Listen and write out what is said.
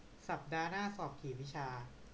สัปดาห์หน้าสอบกี่วิชา